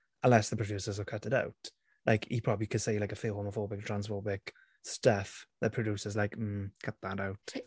Unless the producers have cut it out. Like, he probably could say, like, a few homophobic, transphobic stuff the producers are like "Mm, cut that out."